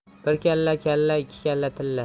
bir kalla kalla ikki kalla tilla